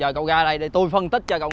giờ tui ra đây để tôi phân tích cho cậu